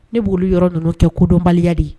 Ne bolo yɔrɔ ninnu kɛ kodɔnbaliya de